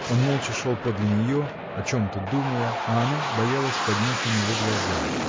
Он молча шел подле нее, о чем-то думая, а она боялась поднять на него глаза.